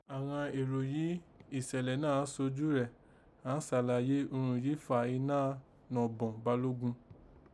Àghan èrò yìí ìsẹ̀lẹ̀ náà sojú rẹ̀, àán sàlàyé irun yí fà iná nọ̀bọ̀n Balógun